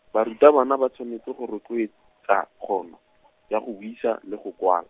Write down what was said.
barutabana ba tshwanetse go rotloetsa kgono , ya go buisa, le go kwala.